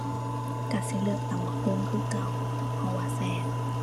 ก็สิเลือกตำบักหุ่งคือเก่า เพราะว่าแซ่บ